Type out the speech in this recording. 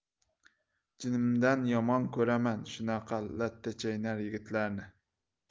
jinimdan yomon ko'raman shunaqa lattachaynar yigitlarni